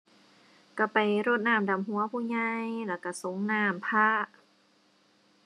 ก็ไปรดน้ำดำหัวผู้ใหญ่แล้วก็สรงน้ำพระ